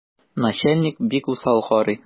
Начальник бик усал карый.